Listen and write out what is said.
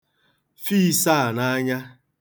fi īsāà n'anya